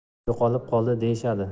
yo'qolib qoldi deyishadi